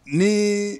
Ni